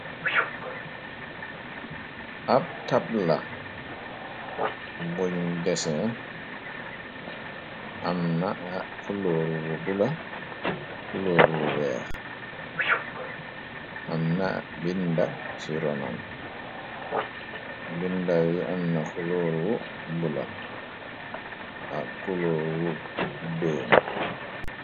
Ab tabla buñ dese amna xulóoruu bula kulóoru weex amna binda ci ronam binda wi amna xulóoru bula ak kulóor wu doom.